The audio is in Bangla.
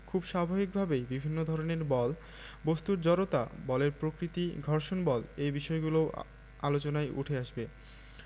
খুব স্বাভাবিকভাবেই বিভিন্ন ধরনের বল বস্তুর জড়তা বলের প্রকৃতি ঘর্ষণ বল এই বিষয়গুলোও আলোচনায় উঠে আসবে